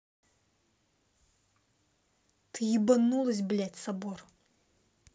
ты ебанулась блять собор